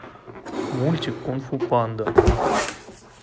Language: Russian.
мультик кунг фу панда